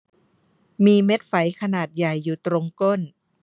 มีเม็ดไฝขนาดใหญ่อยู่ตรงก้น